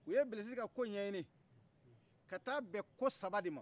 u ye bilisi ka kow ɲɛɲini ka taa bɛn ko saba te ma